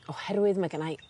oherwydd ma' genna i